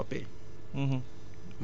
par famille lañ leen di toppee